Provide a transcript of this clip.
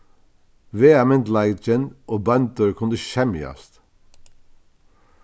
vegamyndugleikin og bøndur kundu ikki semjast